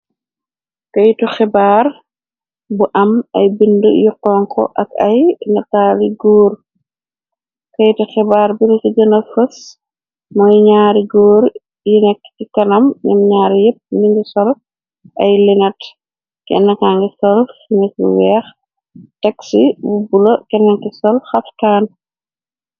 Keytu xebaar bu am ay bindi yu xonko ak ay nataali góor keytu xebaar bili ci gëna fës mooy nyaari góor yinekk ci kanam nem ñaar yépp ni ngi sol ay lenat kennekangi solmi weex texi bu bula keneni sol xaftaan.